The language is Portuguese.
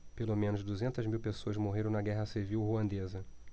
pelo menos duzentas mil pessoas morreram na guerra civil ruandesa